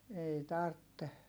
ei tarvitse